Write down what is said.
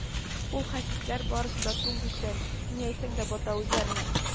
Ул хәсисләр барысы да туң күчән, ни әйтсәң дә бата үзләренә